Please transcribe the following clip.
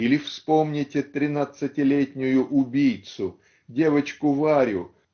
Или вспомните тринадцатилетнюю убийцу девочку Варю